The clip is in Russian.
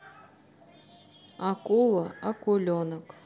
акула акуленок